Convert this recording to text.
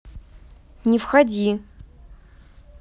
не входи